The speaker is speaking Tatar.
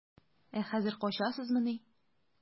Ә хәзер качасызмыни?